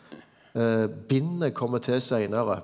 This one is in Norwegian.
binda kjem til seinare.